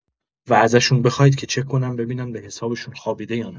و ازشون بخواید که چک کنن ببینن به حسابشون خوابیده یا نه.